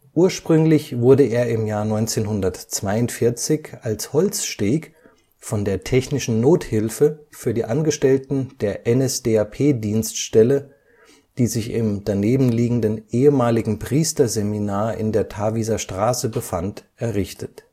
Ursprünglich wurde er im Jahr 1942 als Holzsteg von der Technischen Nothilfe für die Angestellten der NSDAP-Dienststelle, die sich im danebenliegenden ehemaligen Priesterseminar (heute Diözesanhaus) in der Tarviser Straße befand, errichtet